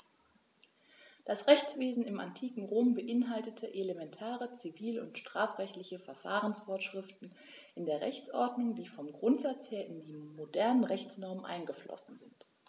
Das Rechtswesen im antiken Rom beinhaltete elementare zivil- und strafrechtliche Verfahrensvorschriften in der Rechtsordnung, die vom Grundsatz her in die modernen Rechtsnormen eingeflossen sind.